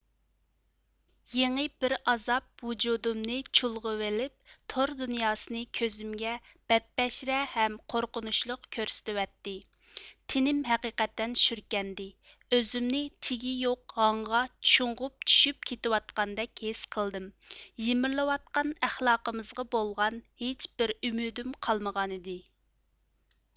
يېڭى بىر ئازاب ۋۇجۇدۇمنى چۈلغىۋېلىپ تور دۇنياسىنى كۆزۈمگە بەتبەشىرە ھەم قورقۇنۇچلۇق كۆرسىتىۋەتتى تېنىم ھەقىقەتەن شۈركەندى ئۆزۈمنى تېگى يوق ھاڭغا شۇڭغۇپ چۈشۈپ كېتىۋاتقاندەك ھېس قىلدىم يېمىرىلىۋاتقان ئەخلاقىمىزغا بولغان ھېچ بىر ئۈمىدىم قالمىغانىدى